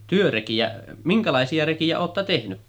työrekiä minkälaisia rekiä olette tehnyt